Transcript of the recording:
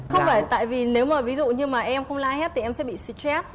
không phải tại vì nếu mà ví dụ như mà em không la hét thì em sẽ bị xì troét